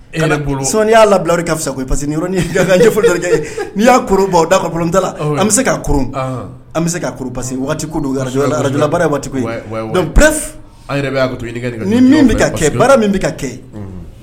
Y'a labilari ka fisa sa i parce ɲɛfɔkɛ n'i y'aba da kadala an bɛ se ka an bɛ se ka parce waati don min bɛ ka kɛ baara min bɛ ka kɛ